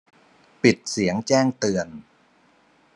ปิดเสียงแจ้งเตือน